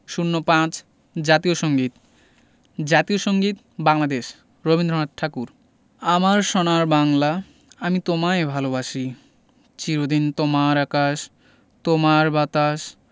০৫ জাতীয় সংগীত জাতীয় সংগীত বাংলাদেশ রবীন্দ্রনাথ ঠাকুর আমার সোনার বাংলা আমি তোমায় ভালোবাসি চিরদিন তোমার আকাশ তোমার বাতাস